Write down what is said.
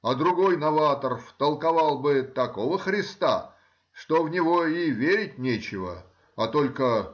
а другой новатор втолковал бы такого Христа, что в него и верить нечего, а только.